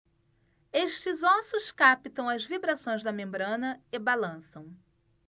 estes ossos captam as vibrações da membrana e balançam